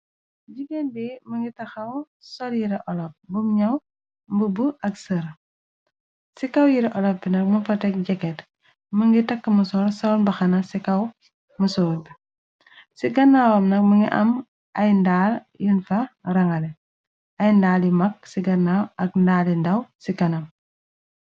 Jigéen bi më ngi taxaw sol yira olof bum ñyow mbubu ak sër ci kaw yira olop bi nak mu fa tek jeket më ngi takk mu soor soon baxana ci kaw mu soor bi ci gannaawam nag mi ngi am ay ndaal yin fa rangale ay ndaal yi mag ci gannaaw ak ndaali ndaw ci kanam.